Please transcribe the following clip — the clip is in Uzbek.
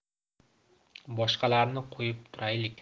boshqalarni qo'yib turaylik